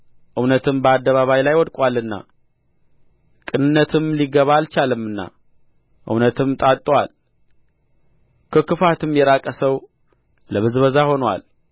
እውነትም በአደባባይ ላይ ወድቆአልና ቅንነትም ሊገባ አልቻለምና እውነትም ታጥቶአል ከክፋትም የራቀ ሰው ለብዝበዛ ሆኖአል